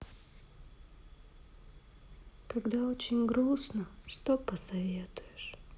когда очень грустно что посоветуешь